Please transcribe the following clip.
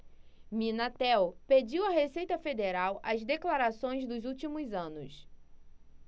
minatel pediu à receita federal as declarações dos últimos anos